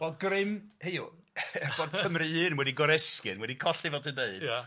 Wel grym, hynny yw bod Cymru un wedi goresgyn, wedi colli fel ti'n deud. Ia.